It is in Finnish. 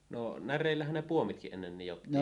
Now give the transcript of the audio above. no näreillähän ne puomitkin ennen nidottiin